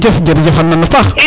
jejef jerejef xana nana paax